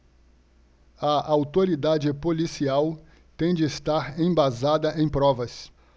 a autoridade policial tem de estar embasada em provas